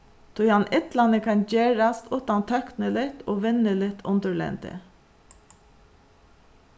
tí hann illani kann gerast uttan tøkniligt og vinnuligt undirlendi